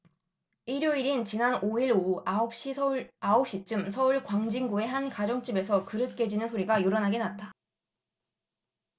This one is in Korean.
일요일인 지난 오 일 오후 아홉 시쯤 서울 광진구의 한 가정집에서 그릇 깨지는 소리가 요란하게 났다